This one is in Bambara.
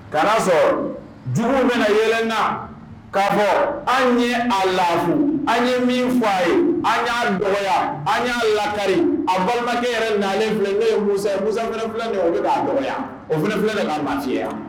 Ka sɔ jugu bɛ yɛlɛ na kaa fɔ an ye a lafu an ye min fɔ a ye an y'a nɔgɔyaya an y'a lakari a balimakɛ yɛrɛ na filɛ ne ye muso muf filɛkɛ o bɛ b'a nɔgɔyaya o f filɛ filɛ de k'a natiya